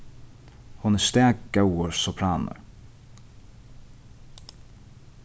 hon er stakgóður sopranur